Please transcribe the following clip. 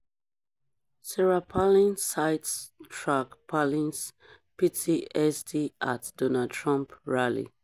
Sarah Palin cites Track Palin's PTSD at Donald Trump rally